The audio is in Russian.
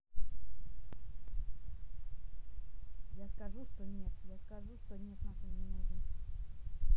я скажу что нет я скажу что нет нахуй не нужен